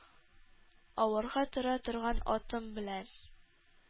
Аварга тора торган атым белән,